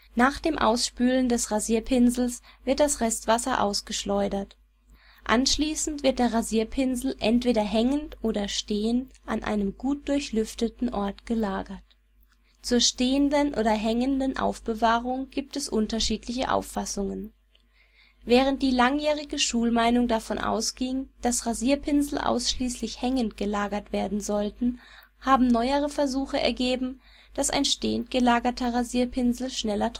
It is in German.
Nach dem Ausspülen des Rasierpinsels wird das Restwasser ausgeschleudert. Anschließend wird der Rasierpinsel entweder hängend oder stehend an einem gut durchlüfteten Ort gelagert. Zur stehenden oder hängenden Aufbewahrung gibt es unterschiedliche Auffassungen. Während die langjährige Schulmeinung davon ausging, dass Rasierpinsel ausschließlich hängend gelagert werden sollten, haben neuere Versuche ergeben, dass ein stehend gelagerter Rasierpinsel schneller